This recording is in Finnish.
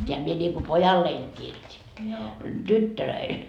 tämän minä niin kuin pojalleni kirjoitin tytöille